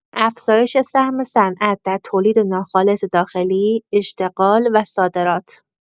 افزایش سهم صنعت در تولید ناخالص داخلی، اشتغال و صادرات